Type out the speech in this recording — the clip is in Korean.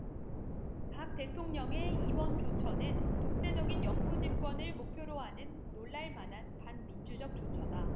박 대통령의 이번 조처는 독재적인 영구집권을 목표로 하는 놀랄 만한 반민주적 조처다